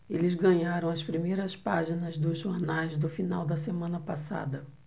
eles ganharam as primeiras páginas dos jornais do final da semana passada